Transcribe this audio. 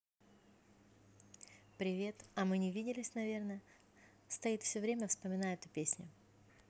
привет а мы не виделись наверное стоит все время вспоминаю эту песню